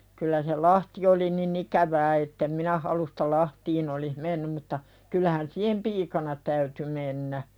kyllä se lahti oli niin ikävää että en minä halusta lahtiin olisi mennyt mutta kyllähän siihen piikana täytyi mennä